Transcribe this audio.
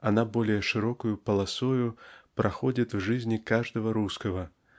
она более широкою полосой проходит в жизни каждого русского